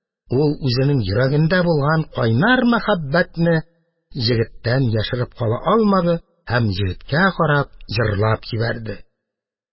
Ул үзенең йөрәгендә булган кайнар мәхәббәтне егеттән яшереп кала алмады һәм егеткә карап җырлап җибәрде: